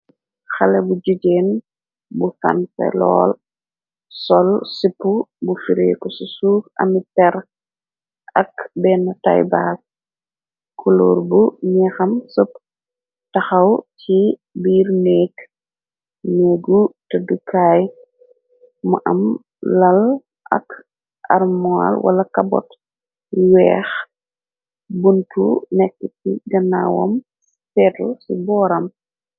xale bu jujeen bu fanfelol sol sip bu fureeku sa suuf ami ter ak benn taibaak kulóor bu ñeexam sëpp taxaw ci biiru neek neegu tëddukaay mu am lal ak armoil wala kabot weex buntu nekk ci ganaawam feetl ci booram